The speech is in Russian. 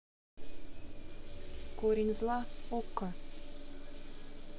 корень зла okko